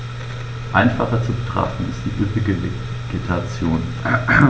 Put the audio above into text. Einfacher zu betrachten ist die üppige Vegetation.